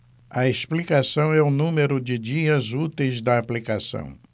a explicação é o número de dias úteis da aplicação